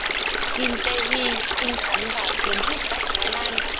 kim tae hee xinh xắn và cuốn hút tại thái lan